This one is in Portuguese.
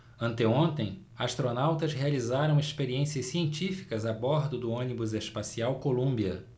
anteontem astronautas realizaram experiências científicas a bordo do ônibus espacial columbia